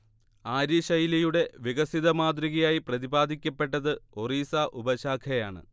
ആര്യ ശൈലിയുടെ വികസിത മാതൃകയായി പ്രതിപാദിക്കപ്പെട്ടത് ഒറീസ ഉപശാഖയാണ്